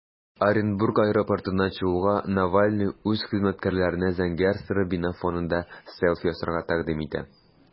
Оренбург аэропортыннан чыгуга, Навальный үз хезмәткәрләренә зәңгәр-соры бина фонында селфи ясарга тәкъдим итә.